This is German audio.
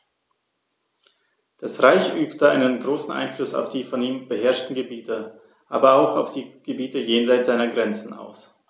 Das Reich übte einen großen Einfluss auf die von ihm beherrschten Gebiete, aber auch auf die Gebiete jenseits seiner Grenzen aus.